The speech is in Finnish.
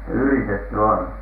yritetty on